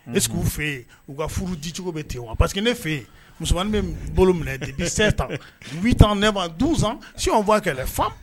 Est ce que u fɛ yen u ka furudicogo bɛ ten wa parce que ne fɛ yen musomanin bɛ bolo minɛ dépuis 7 ans, 8 ans, 9 ans, 12 ans, si on voit qu'elle est femme